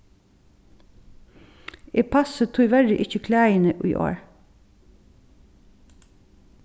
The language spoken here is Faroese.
eg passi tíverri ikki klæðini í ár